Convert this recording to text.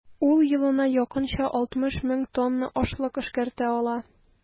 Ул елына якынча 60 мең тонна ашлык эшкәртә ала.